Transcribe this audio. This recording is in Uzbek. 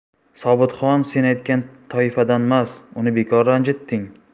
sobitxon sen aytgan toifadanmas uni bekor ranjitding